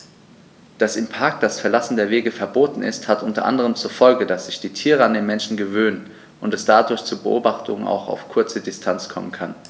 Dass im Park das Verlassen der Wege verboten ist, hat unter anderem zur Folge, dass sich die Tiere an die Menschen gewöhnen und es dadurch zu Beobachtungen auch auf kurze Distanz kommen kann.